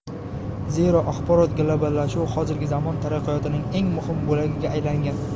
zero axborot globallashuvi hozirgi zamon taraqqiyotining eng muhim bo'lagiga aylangan